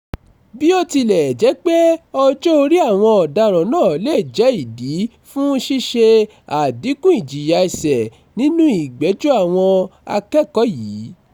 Bí ó tilẹ̀ jẹ́ pé ọjọ́-orí àwọn ọ̀daràn náà lè jẹ́ ìdí fún ṣíṣe àdínkù ìjìyà ẹ̀sẹ̀ nínú ìgbẹ́jọ́ àwọn akẹ́kọ̀ọ́ yìí.